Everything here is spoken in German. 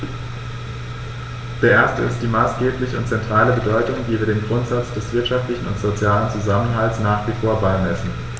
Der erste ist die maßgebliche und zentrale Bedeutung, die wir dem Grundsatz des wirtschaftlichen und sozialen Zusammenhalts nach wie vor beimessen.